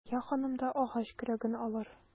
Алия ханым да агач көрәген алыр.